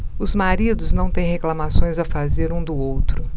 os maridos não têm reclamações a fazer um do outro